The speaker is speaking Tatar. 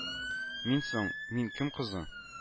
Мин соң, мин кем кызы